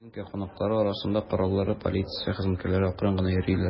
Ярминкә кунаклары арасында кораллы полиция хезмәткәрләре акрын гына йөриләр.